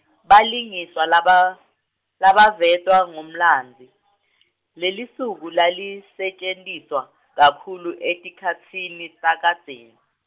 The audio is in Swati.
balingiswa labavetwa ngumlandzi, lelisu ko lalisetjentiswa kakhulu etikhatsini takadzeni.